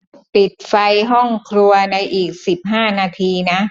ปิดไฟห้องครัวในอีกสิบห้านาทีนะ